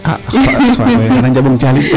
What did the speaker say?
a Fafaye xana njambong caali de